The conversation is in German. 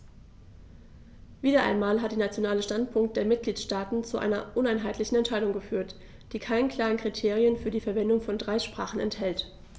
Wieder einmal hat der nationale Standpunkt der Mitgliedsstaaten zu einer uneinheitlichen Entscheidung geführt, die keine klaren Kriterien für die Verwendung von drei Sprachen enthält.